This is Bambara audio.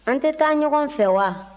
an tɛ taa ɲɔgɔn fɛ wa